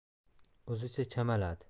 o'zicha chamaladi